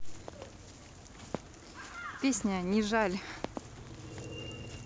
песня не жаль